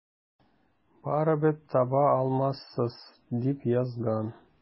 Барыбер таба алмассыз, дип язган.